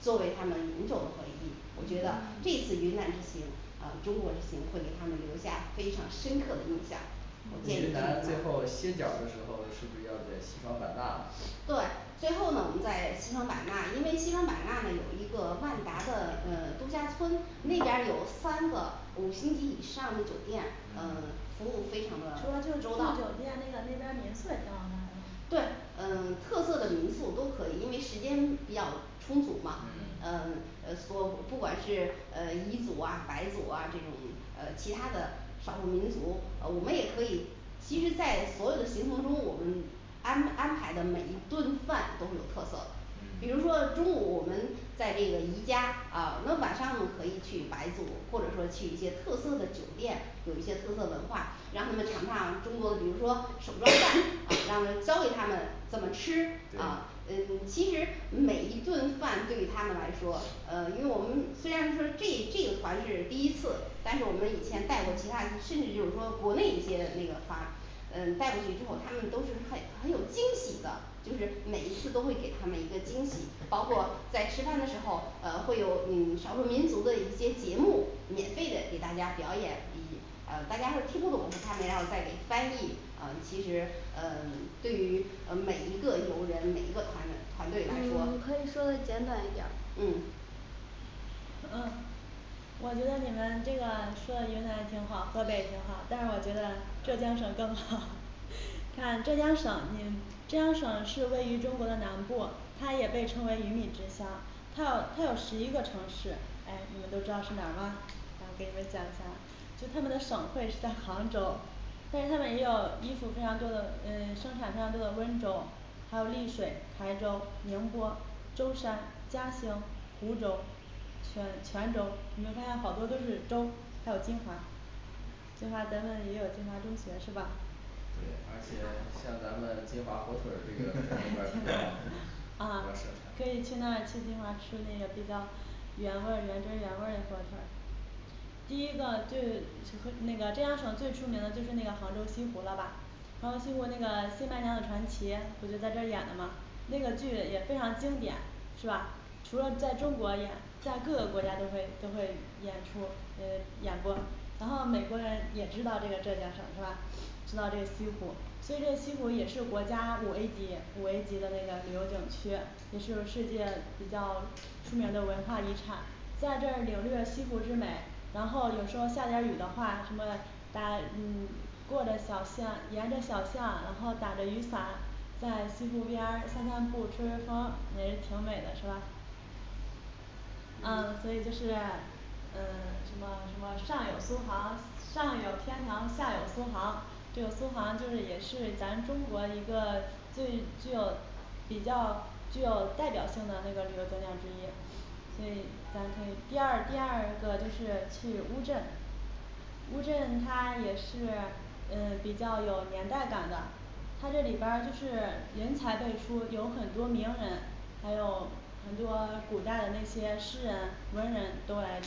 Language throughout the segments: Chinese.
作为他们永久的回忆我觉得这嗯次云南之行嗯中国之行会给他们留下非常深刻的印象我建议去云云南南最后歇脚儿的时候是不是要在西双版纳，对，最后呢我们在西双版纳，因为西双版纳呢有一个万达的呃度假村，那边儿有三个五星级以上的嗯酒店服务非常的除了就住周到酒店那个那边儿名宿也挺好看对是吧嗯特色的民宿都可以，因为时间比较充足嘛，嗯嗯呃所不管是呃彝族啊、白族啊这种呃其他的少数民族，呃我们也可以其实在所有的行程中，我们安安排的每一顿饭都是有特色的比如说嗯中午我们在这个宜家，啊那晚上我们可以去白族，或者说去一些特色的酒店，有一些特色文化，让他们尝尝中国的比如说手抓饭啊让教给他们怎么吃。啊对嗯其实每一顿饭对于他们来说，呃因为我们虽然说这个这个团是第一次，但是我们以前带过其他，甚至就是说国内一些那个团嗯带过去之后，他们都是很很有惊喜的，就是每一次都会给他们一个惊喜，包括在吃饭的时候呃会有嗯少数民族的一些节目免费的给大家表演，一呃大家会听不懂，他们要再给翻译，嗯其实嗯对于呃每一个游人每一个团的团队来说嗯 可以说的简短一点儿，嗯嗯我觉得你们这个说的云南挺好，河北挺好，但是我觉得浙江省更好 看浙江省，你浙江省是位于中国的南部，它也被称为鱼米之乡，它有它有十一个城市，哎你们都知道是哪儿吗？我来给你们讲一下就他们的省会是在杭州，但是他们也有衣服非常多的嗯生产量多的温州，还有丽水台州宁波、舟山、嘉兴、湖州全全州，你会发现好多都是州，还有金华金华咱们也有金华中学是吧对，而且像咱们金华火腿儿这个在那边儿比较 ？啊可以比较去盛产那儿去金华吃那个比较原味儿原汁儿原味儿的火腿儿第一个最就是那个浙江省最出名的就是那个杭州西湖了然后西湖那个新白娘子传奇不就在这儿演的吗？那个剧也非常经典，是吧？除了在中国演在各个国家都会都会演出嗯演过，然后美国人也知道这个浙江省是吧？知道这个西湖，所以这个西湖也是国家五A级五A级的那个旅游景区，也是世界比较出名的文化遗产，在这儿领略西湖之美，然后有时候下点儿雨的话什么打嗯过着小巷沿着小巷，然后打着雨伞在西湖边儿散散步吹吹风也是挺美的是吧？嗯所以就是嗯什么什么上有苏杭，上有天堂，下有苏杭，就有苏杭就是也是咱中国一个最具有比较具有代表性的那个旅游景点之一。所以咱可以第二第二个就是去乌镇乌镇它也是嗯比较有年代感的他这里边儿就是人才辈出，有很多名人，还有很多古代的那些诗人文人都在里，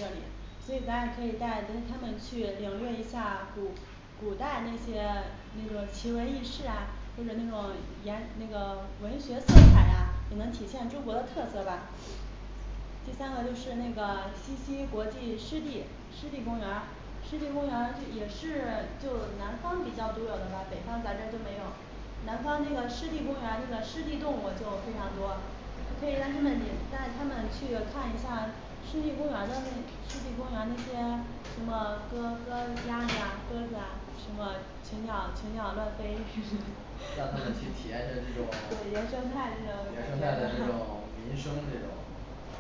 所以大家可以带领他们去领略一下古古代那些那个奇闻异事啊或者那种言那个文学色彩啊，也能体现中国的特色吧第三个就是那个西溪国际湿地湿地公园儿，湿地公园儿也是就南方比较独有的吧，北方咱这儿都没有。南方那个湿地公园儿那个湿地动物就非常多你可以让他们进带他们去看一下湿地公园儿的那湿地公园儿那些什么鸽鸽鸭子啊鸽子啊什么群鸟群鸟乱飞， 让他们去体验一下这种 对原原生生态态的这种民生这种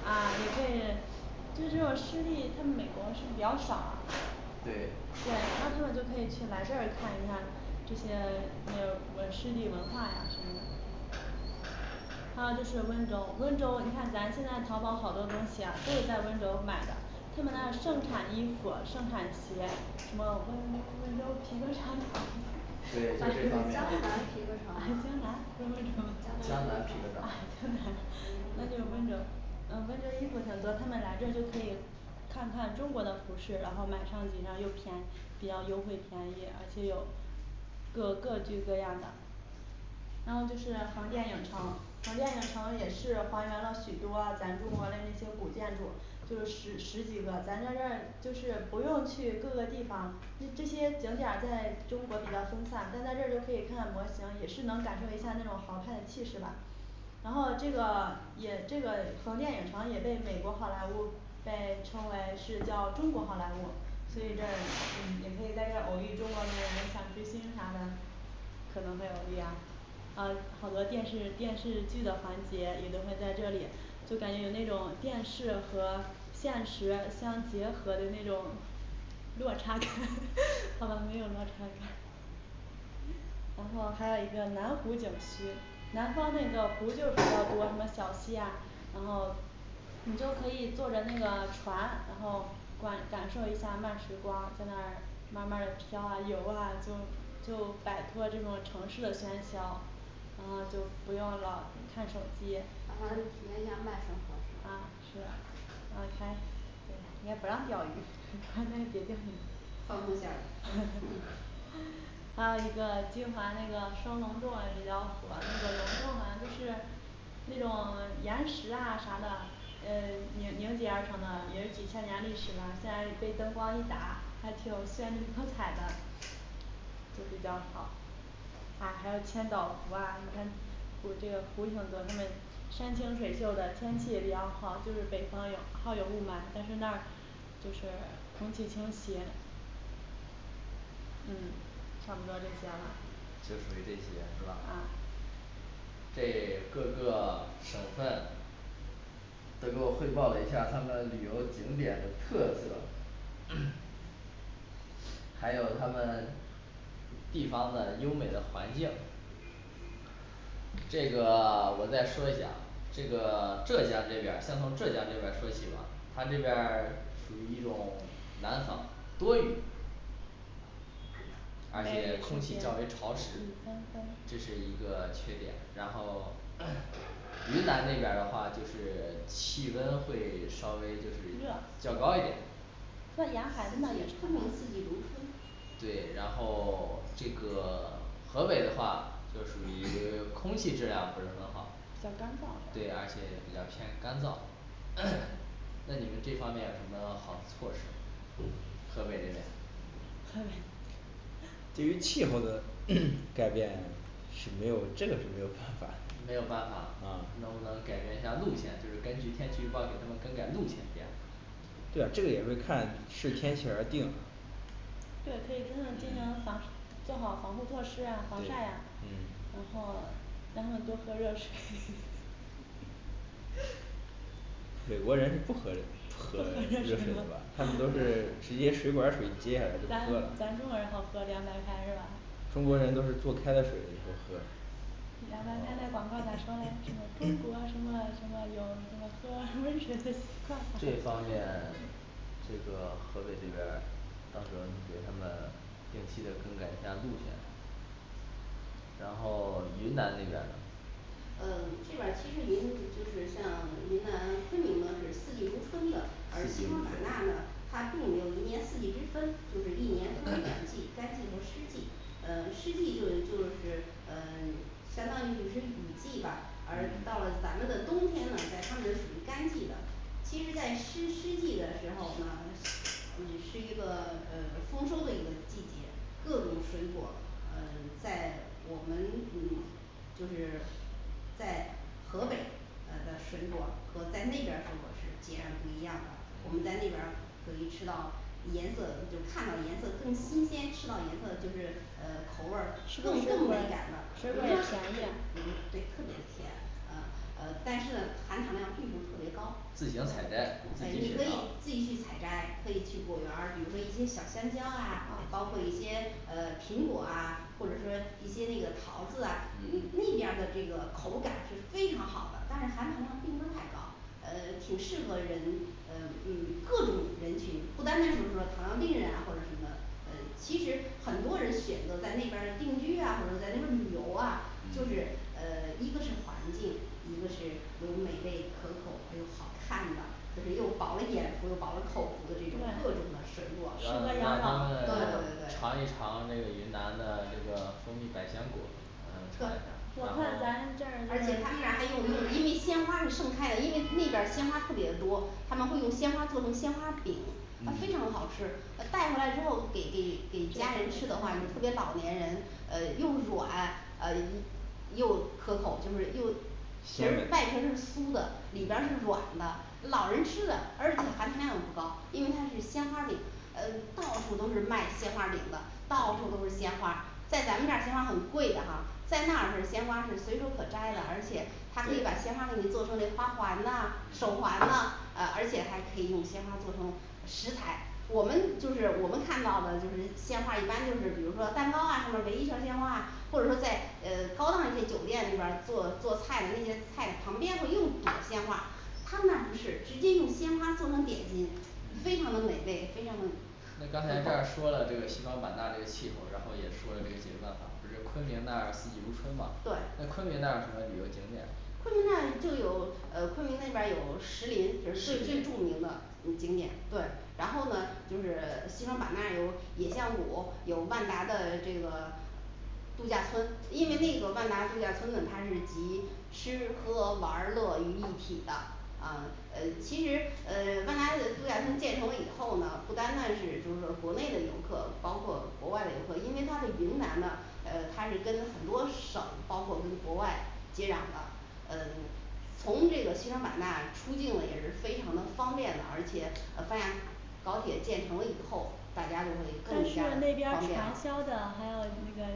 啊也可以其实这种湿地他们美国是比较少啊。对，那对他们就可以去来这儿看一下这些这个文湿地文化呀什么的。还有就是温州，温州，你看咱现在淘宝好多东西啊都是在温州买的，他们那儿盛产衣服，盛产鞋，什么温温州皮革厂 江对就南这方面，江南皮革厂啊皮江革厂江南皮革厂南， 那就温州，嗯温州衣服很多，他们来这儿都可以看看中国的服饰，然后买上几身又便比较优惠便宜，而且又各各具各样的然后就是横店影城，横店影城也是还原了许多咱中国的那些古建筑，就是十十几个，咱在这儿就是不用去各个地方，这些景点儿在中国比较分散，但在这儿都可以看看模型，也是能感受一下那种豪泰的气势吧然后这个也这个横店影城也被美国好莱坞被称为是叫中国好莱坞，所以这儿也可以在这儿偶遇中国人想追星啥的可能没有问题啊。嗯好多电视电视剧的环节也都会在这里，就感觉有那种电视和现实相结合的那种落差感 好吧，没有落差感然后还有一个南湖景区，南方那个湖就比较多，什么小溪啊，然后你就可以坐着那个船，然后管感受一下慢时光在那儿慢慢的飘啊游啊就就摆脱这种城市的喧嚣然后就不用老看手机让，他嗯体验一下慢生活是然后还人家不让钓鱼 还有一个金华那个深溶洞也比较火，那个溶洞好像就是那种岩石啊啥的，嗯凝凝结而成的也是几千年历史了，现在被灯光一打还挺有鲜明风采的都比较好啊还有千岛湖啊跟我觉得湖挺多他们山清水秀的天气也比较好，就是北方有好有雾霾，但是那儿就是空气清新，嗯差不多这些就属于这些是了。吧？啊对各个省份再给我汇报了一下儿他们旅游景点的特色 还有他们地方的优美的环境这个 我再说一下儿，这个浙江这边儿先从浙江这边儿说起吧它这边儿属于一种南方多雨而且空气较为潮湿，这是一个缺点，然后 云南那边儿的话就是气温会稍微就是热较高一点四季算沿海他那有昆船吧明四季如春对，然后 这个 河北的话就属于空气质量不是很好比较干燥。的对，而且比较偏干燥。那你们这方面有什么好的措施？河北这边河北对于气候的 改变是没有这个是没有没有办办法法嗯能不能改变一下路线，就是根据天气预报给他们更改路线这样。对啊这个也会看视天气而定。这个可以真正尽能防做好防护措施对啊防晒啊。然嗯后让他们多喝热水 美国人是不喝热不喝喝热热水水 的吧，他他咱咱们们喝都凉是水直接水管儿水接就喝中国人好喝凉白开是吧，中国人都是坐开了水以后喝，凉白开那广告咋说来什么中国什么什么有什么喝温水的习惯 这方面这个河北这边儿到时候你给他们定期的整改一下路线然后云南那边儿嗯这边儿其实云就是像云南昆明呢是四季如春的，而西方嗯版纳呢它并没有一年四季之分，就是一年分为两季干季和湿季，嗯湿季就就是嗯相当于是雨季吧，而嗯到了咱们的冬天呢在他们那儿属于干季的，其实在湿湿季的时候呢是一个呃丰收的季节各种水果儿嗯在我们嗯就是在河北呃的水果和在那边儿水果是截然不一样的，我们在那边儿可以吃到颜色就看到颜色更新鲜，吃到颜色的就是呃口味儿是不是更水果更美感的，比水如果也说甜比如对特别甜嗯呃但是呢含糖量并不是特别高自行采摘，自哎己你品可以自尝己去采摘，可以去果园儿，比如说一些小香蕉啊，包括一些呃苹果啊或者说一些那个桃子啊，那嗯那边儿的这个口感是非常好的，但是含糖量并不是太高，呃挺适合人，呃嗯各种人群不单单就是说糖尿病人啊或者什么的呃其实很多人选择在那边儿定居啊或者在那边儿旅游啊，就是呃一个是环境，一个是有美味可口又好看的，就是又饱了眼福饱了口福的这对种各种的水果，对适合对对养让他老们对，尝一尝这个云南的这个蜂蜜百香果儿和让我他们尝看咱一这下然后儿而对且他们那儿还用用，因为鲜花是盛开的，因为那边儿鲜花特别的多，他们会用鲜花做成鲜花饼，它非嗯常好吃，带回来之后给给给家人吃的话，特别老年人呃又软呃又可口就是又皮儿外皮儿是酥的，里边儿是软的，老人吃的，而且含糖量也不高，因为它是鲜花饼，呃到处都是卖鲜花饼的，到处都是鲜花，在咱们这儿鲜花很贵的哈，在那儿是鲜花是随手可摘的，而且他可以把对鲜花给你做成那花环呐手环呐，啊而且还可以用鲜花做成食材。我们就是我们看到的就是鲜花一般就是比如说蛋糕啊上面儿围一圈儿鲜花啊，或者说在呃高档一些酒店里边儿做做菜的那些菜旁边会用朵鲜花，他们那儿不是直接用鲜花做成点心，非常嗯的美味，非常的那刚才这儿说了这个西双版纳这个气候，然后也说了这个景色嘛就是昆明那儿四季如春嘛对，那昆明那儿有什么旅游景点昆明那儿就有呃昆明那边儿有石林就石是最最林著名的景点，对，然后呢就是西双版纳有野象谷，有万达的这个度假村，因为那个万达度假村呢它是集吃喝玩儿乐于一体的，啊呃其实呃万达度假村建成了以后呢不单单是就是说国内的游客，包括国外的游客，因为它的云南呢呃他是跟很多省包括跟国外接壤的，嗯从这个西双版纳出境呢也是非常的方便的，而且啊发现高铁建成了以后，大家就会更但是加的方便了，你那你说的是毒品边哦儿安全问题呢呃可以放心，因为我们是你不传是自驾销游，的，还有那个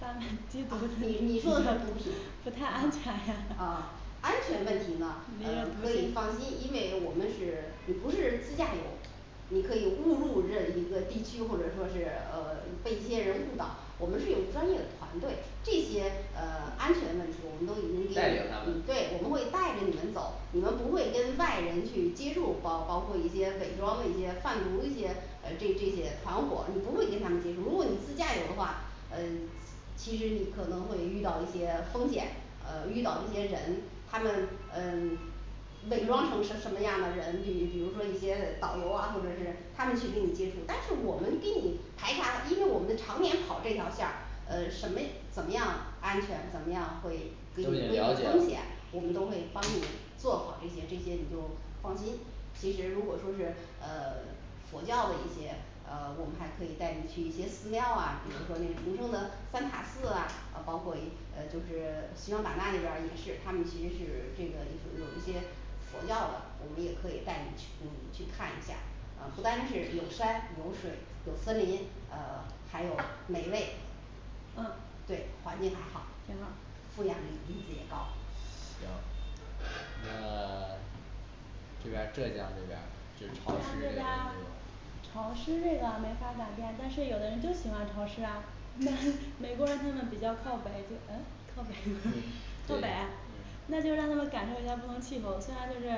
贩卖吸啊你你毒说的是的毒品不太安全呀 哦安全问题呢呃可以放心，因为我们是你不是自驾游，你可以误入这一个地区，或者说是呃被一些人误导，我们是有专业的团队，这些呃安全问题我们都已经给带着他们你对我们会带着你们走，你们不会跟外人去接触，包包括一些伪装那些贩毒一些呃这这些团伙你不会跟他们接触，如果你自驾游的话呃其实你可能会遇到一些风险，呃遇到这些人他们嗯 伪装成什什么样的人，比比如说一些导游啊或者是他们去跟你接触，但是我们跟你排查，因为我们常年跑这条线儿，什么怎么样安全，怎么样会给你都已规经避了解了风险，我们都会帮你做好这些这些你就放心其实如果说是呃佛教的一些，呃我们还可以带你去一些寺庙啊，比如说那个重生的三塔寺啊，包括一呃就是西双版纳那边儿也是，他们其实是这个有有一些佛教的，我们也可以带你去你去看一下，呃不单是有山有水、有森林，呃还有美味嗯挺对，环境还好好，负氧的离子也高行那 这边儿浙江这边儿是潮湿潮湿这个没法儿改变，但是有的人就喜欢潮湿啊那美国人他们比较靠北就哎靠北 靠北那就让他们感受一下不同气候，虽然就是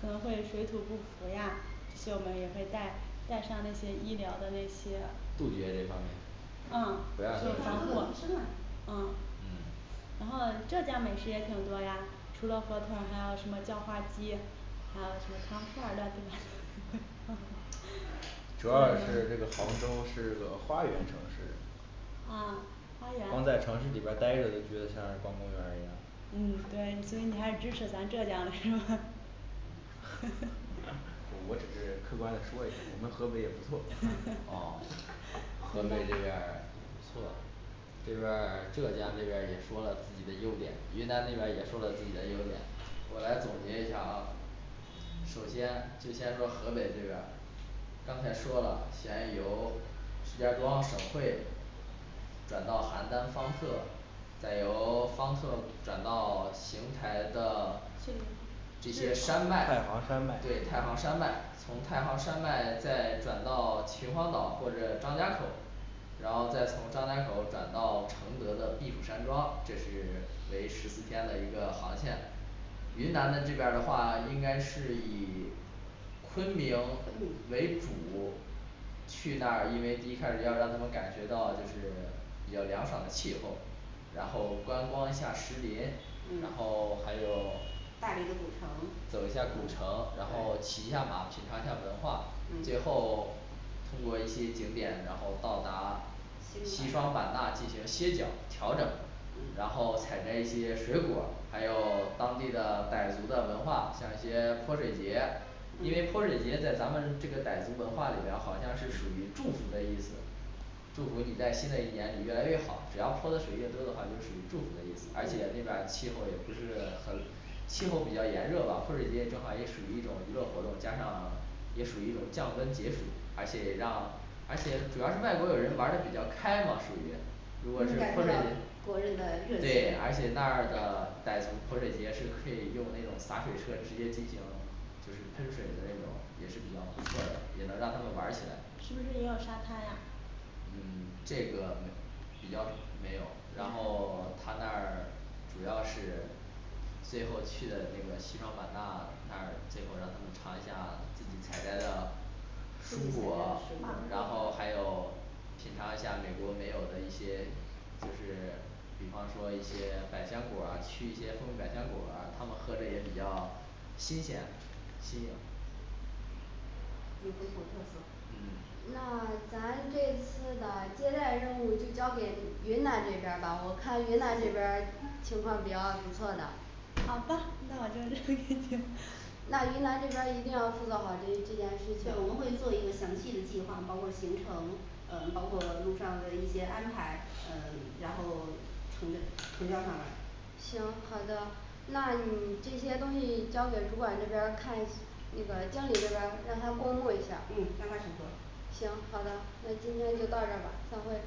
可能会水土不服呀，所以我们也会在带带上那些医疗的那些杜绝这方面。不要啊让他随们团都水土不有医生啊服啊嗯然后浙江美食也挺多呀，除了火腿儿还有什么叫花鸡还有什么方块儿乱七八糟的 主要是这个杭州是个花园城市啊花园光在城市里边儿呆着就觉得像是逛公园儿一样。，嗯对，所以你还是支持咱浙江的是吗 我只是客观的说一下，我们河北也不错。啊河北这边儿 不错这边儿浙江这边儿也说了自己的优点，云南那边儿也说了自己的优点。我来总结一下啊首先就先说河北这边儿刚才说了先由石家庄省会转到邯郸方特，再由方特转到邢台的这些山太脉行山脉，对太行山脉从太行山脉再转到秦皇岛或者张家口然后再从张家口转到承德的避暑山庄，这是为十四天的一个航线云南的这边儿的话应该是以昆明嗯为主去那儿，因为一开始要让他们感觉到就是比较凉爽的气候，然后观光一下儿石林，然嗯后还有大理的古走城一下儿古城，然对后骑一下马品尝一下文化，最嗯后通过一些景点然后到达西双版纳进行歇脚儿调整，然后采摘一些水果，还有当地的傣族的文化，像一些泼水节，因为泼嗯水节在咱们这个傣族文化里边儿好像是属于祝福的意思祝福你在新的一年里越来越好，只要泼的水越多的话就属于祝福的意思，而且那边儿气候也不是很气候比较炎热吧，泼水节也正好也属于一种娱乐活动，加上也属于一种降温解暑，而且让而且主要是外国友人玩儿的比较开嘛属于如果是能感受泼水到国人的热节，对情，而且那儿的傣族泼水节是可以用那种洒水车直接进行就是喷水的那种，也是比较不错的，也能让他们玩儿起来，是不是也有沙滩呀嗯这个提交是没有，然后他那儿主要是最后去的那个西双版纳，那儿最后让他们尝一下儿自己采摘的自己采摘水的水果果啊，然后还有品尝一下美国没有的一些就是比方说一些百香果啊去一些分百香果儿他们喝的也比较新鲜新鲜有中国特色嗯那咱这次的接待任务就交给云南这边儿吧，我看云南这边儿情况比较不错的好的，那我就这个意 那云南这边儿一定要负责好这件这件事情，对我们会做一个详细的计划，包括行程呃包括路上的一些安排，嗯然后呈交呈交上来行好的。那你这些东西你交给主管这边儿看一 那边儿经理这边儿让他公布一下儿嗯让他审核，行好的，那今天就到这儿吧，散会